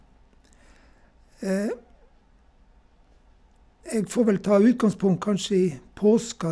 Jeg får vel ta utgangspunkt, kanskje, i påska.